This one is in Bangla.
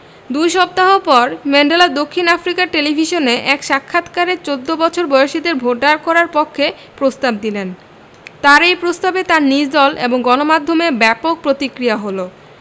দুই সপ্তাহ পর ম্যান্ডেলা দক্ষিণ আফ্রিকার টেলিভিশনে এক সাক্ষাৎকারে ১৪ বছর বয়সীদের ভোটার করার পক্ষে প্রস্তাব দিলেন তাঁর এ প্রস্তাবে তাঁর নিজ দল এবং গণমাধ্যমে ব্যাপক প্রতিক্রিয়া হলো